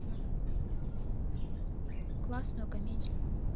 классную комедию